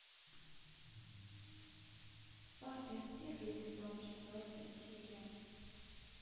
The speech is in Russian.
сваты первый сезон четвертая серия